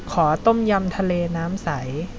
ขอต้มยำทะเลน้ำใส